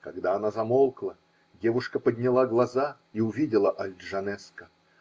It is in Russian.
Когда она замолкла, девушка подняла глаза и увидела Аль-Джанеско.